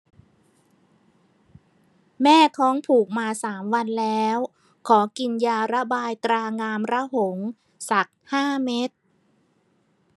แม่ท้องผูกมาสามวันแล้วขอกินยาระบายตรางามระหงสักห้าเม็ด